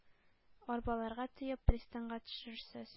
Арбаларга төяп пристаньга төшерерсез.